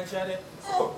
I ca dɛ